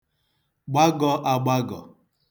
gbagọ̀ àgbagọ̀